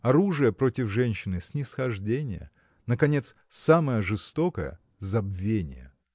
Оружие против женщины – снисхождение наконец самое жестокое – забвение!